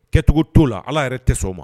Kɛcogo t'o la ala yɛrɛ tɛ sɔn o ma.